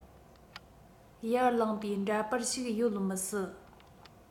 ཡར ལངས པའི འདྲ པར ཞིག ཡོད མི སྲིད